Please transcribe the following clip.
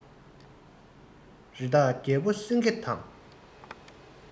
རི དྭགས རྒྱལ པོ སེང གེ དང